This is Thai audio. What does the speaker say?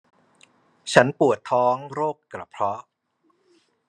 ฉันปวดท้องโรคกระเพาะ